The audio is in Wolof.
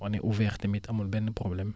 on est ouvert tamit amul benn problème